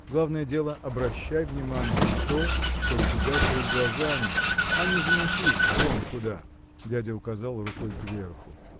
главное дело – обращай внимание на то что у тебя перед глазами а не заносись вон куда. Дядя указал рукой кверху.